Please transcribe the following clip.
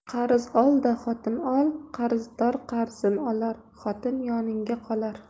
qarz ol da xotin ol qarzdor qarzin olar xotin yoningga qolar